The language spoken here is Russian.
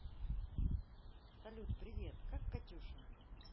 салют привет как катюша